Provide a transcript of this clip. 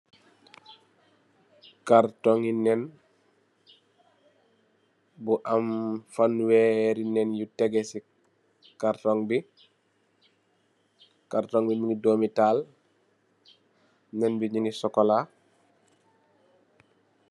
Carton n'en bu am fanewero nen 'nungi tegi si karton bi karton mungi domitahal nen bi mungi chochola.